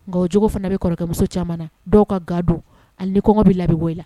Nkaogo fana bɛ kɔrɔkɛmuso caman na dɔw ka ga don ani kɔngɔ bɛ labɛn bɔ la